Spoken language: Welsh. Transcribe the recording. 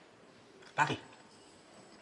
Bari?